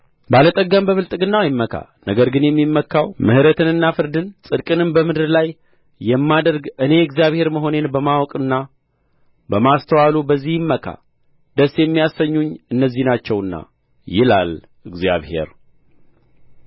ባለ ጠጋም በብልጥግናው አይመካ ነገር ግን የሚመካው ምሕረትንና ፍርድን ጽድቅንም በምድር ላይ የማደርግ እኔ እግዚአብሔር መሆኔን በማወቁና በማስተዋሉ በዚህ ይመካ ደስ የሚያሰኙኝ እነዚህ ናቸውና ይላል እግዚአብሔር